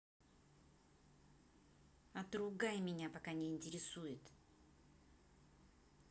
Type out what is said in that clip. от ругай меня пока не интересует